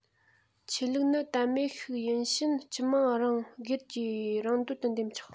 ཆོས ལུགས ནི དད མོས ཤིག ཡིན ཕྱིན སྤྱི དམངས རང སྒེར གྱིས རང འདོད དུ འདེམ ཆོག